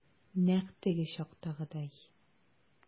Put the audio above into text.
Нәкъ теге чактагыдай.